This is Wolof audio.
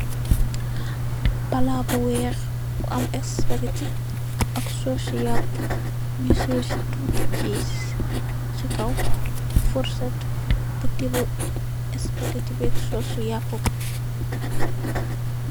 Palaat bu weeh bu am espaketi ak sosu yapp, nu sew ci tutti cheese. Ci kaw fruset bu tibu espaketi beg sosi yapu.